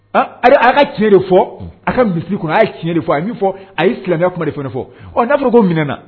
Aaa a ka tiɲɛ de fɔ a ka misi kun a ye tiɲɛ de fɔ a min fɔ a ye filankɛ kuma de fɔ n'a fɔra ko munnaɛna